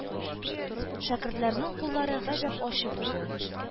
Шәкертләрнең куллары гаҗәп ачы була.